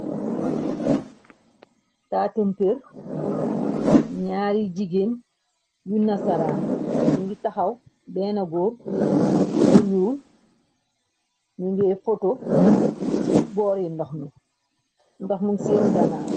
Taatumpir ñaari jigéen yu nasaraan ñu ngi taxaw benn góor bu ñuul ñu ngay foto ci boori ndox mi ndox mi seen ganaaw.